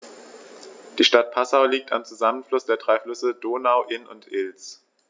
Die Stadt Passau liegt am Zusammenfluss der drei Flüsse Donau, Inn und Ilz.